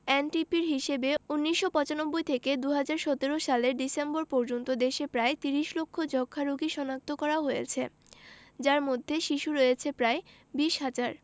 এনটিপির হিসেবে ১৯৯৫ থেকে ২০১৭ সালের ডিসেম্বর পর্যন্ত দেশে প্রায় ৩০ লাখ যক্ষ্মা রোগী শনাক্ত করা হয়েছে যার মধ্যে শিশু রয়েছে প্রায় ২০ হাজার